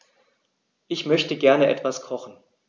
Ich möchte gerne etwas kochen.